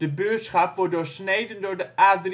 buurschap wordt doorsneden door de A325